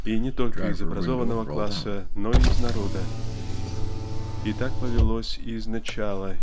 и не только из образованного класса но и из народа. И. так повелось изначала